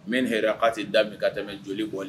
Min hɛrɛ a tɛ da ka tɛmɛ joli bɔ